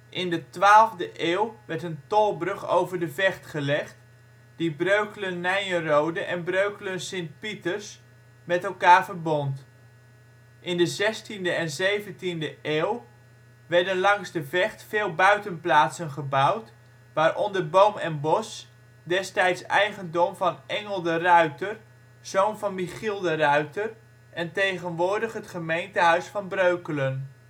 In de 12e eeuw werd een tolbrug over de Vecht gelegd, die Breukelen-Nijenrode en Breukelen Sint Pieters met elkaar verbond. In de 16e en 17e eeuw werden langs de Vecht veel buitenplaatsen gebouwd, waaronder Boom en Bosch, destijds eigendom van Engel de Ruyter, zoon van Michiel de Ruyter, en tegenwoordig het gemeentehuis van Breukelen